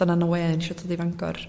do' 'na no we oni isio dod i Fangor